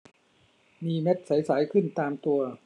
มีเม็ดใสใสขึ้นตามตัว